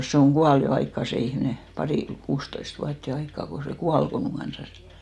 se on kuollut jo aikaa se ihminen - kuusitoista vuotta jo aikaa kun se kuoli kun minun kanssani oli